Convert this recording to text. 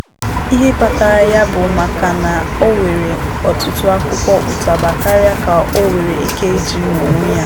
Ihe kpatara ya bụ maka na o were ọtụtụ akwụkwọ ụtaba karịa ka o nwere ike iji n'onwe ya.